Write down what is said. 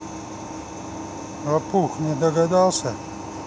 лопух не догадался